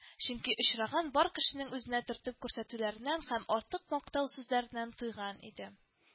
Чөнки очраган бер кешенең үзенә төртеп күрсәтүләреннән һәм артык мактау сүзләреннән туйган иде